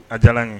A diyara ye